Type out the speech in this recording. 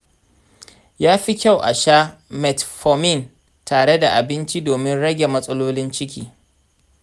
yafi kyau a sha metformin tare da abinci domin rage matsalolin ciki.